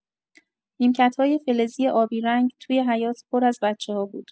نیمکت‌های فلزی آبی رنگ توی حیاط پر از بچه‌ها بود.